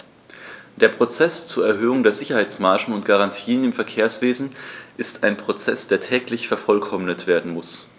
Der Prozess zur Erhöhung der Sicherheitsmargen und -garantien im Verkehrswesen ist ein Prozess, der täglich vervollkommnet werden muss.